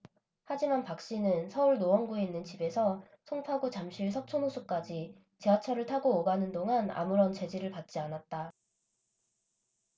하지만 박씨는 서울 노원구에 있는 집에서 송파구 잠실 석촌호수까지 지하철을 타고 오가는 동안 아무런 제지를 받지 않았다